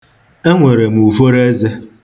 Enwere m uforo eze.